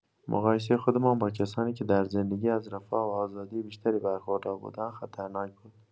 مقایسه خودمان با کسانی که در زندگی از رفاه و آزادی بیشتری برخوردار بودند، خطرناک بود.